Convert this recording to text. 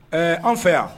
Ɛɛ an fɛ yan